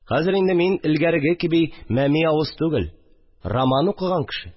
Хәзер инде мин элгәреге кеби мәми авыз түгел, роман укыган кеше